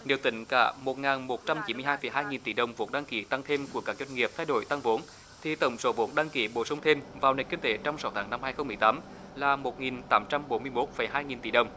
nếu tính cả một ngàn một trăm chín mươi hai phẩy hai nghìn tỷ đồng vốn đăng ký tăng thêm của các doanh nghiệp thay đổi tăng vốn thì tổng số vốn đăng ký bổ sung thêm vào nền kinh tế trong sáu tháng năm hai không mười tám là một nghìn tám trăm bốn mươi bốn phẩy hai nghìn tỷ đồng